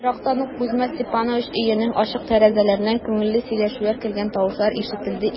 Ерактан ук Кузьма Степанович өенең ачык тәрәзәләреннән күңелле сөйләшүләр, көлгән тавышлар ишетелә иде.